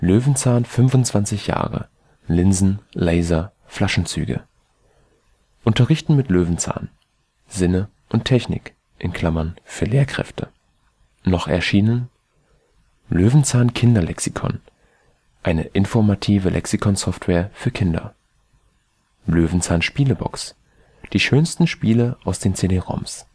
Löwenzahn 25 Jahre: Linsen, Laser, Flaschenzüge Unterrichten mit Löwenzahn: Sinne und Technik (für Lehrkräfte) … noch erschienen Löwenzahn Kinder Lexikon: Eine informative Lexikon-Software für Kinder Löwenzahn Spielebox: Die schönsten Spiele aus den CD-Roms